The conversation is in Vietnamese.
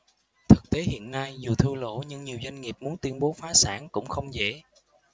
thực tế hiện nay dù thua lỗ nhưng nhiều doanh nghiệp muốn tuyên bố phá sản cũng không dễ